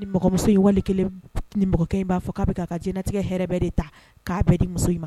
Ni mɔgɔmuso in wali kelen nin mɔgɔkɛ in b'a fɔ k'a ka jinɛtigɛ hɛrɛ bɛɛ de ta k'a bɛɛ di muso in ma